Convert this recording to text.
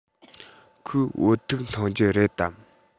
ཁོས བོད ཐུག འཐུང རྒྱུ རེད དམ